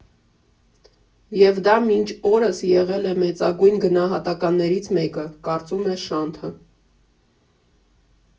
Եվ դա մինչ օրս եղել է մեծագույն գնահատականներից մեկը»,֊ կարծում է Շանթը։